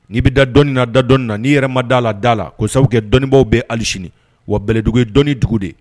N'i bɛ da dɔnni na da dɔn na n'i yɛrɛ ma da la da la kosa kɛ dɔnniibaw bɛ hali sini wa bɛlɛdugu ye dɔnni dugu de